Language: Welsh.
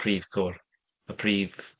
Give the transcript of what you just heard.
Prif côr. Y prif...